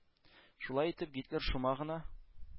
Шулай итеп Гитлер шома гына